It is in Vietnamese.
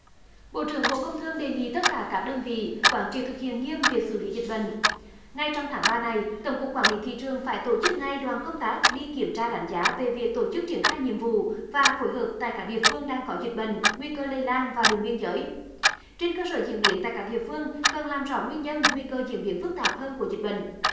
bộ trưởng bộ công thương đề nghị tất cả các đơn vị quán triệt thực hiện nghiêm việc xử lý dịch bệnh ngay trong tháng ba này tổng cục quản lý thị trường phải tổ chức ngay đoàn công tác đi kiểm tra đánh giá về việc tổ chức triển khai nhiệm vụ và phối hợp tại các địa phương đang có dịch bệnh nguy cơ lây lan và đường biên giới trên cơ sở diễn biến tại các địa phương cần làm rõ nguyên nhân nguy cơ diễn biến phức tạp hơn của dịch bệnh